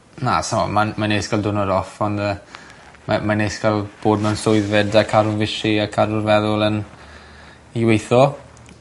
na s'mo' ma'n ma'n neis ca'l diwrnod off on' yy yy mae'n neis ga'l bod mewn swydd 'fyd a cadw'n fishi a cadw fel yym i witho